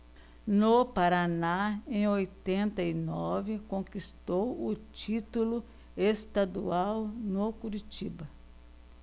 no paraná em oitenta e nove conquistou o título estadual no curitiba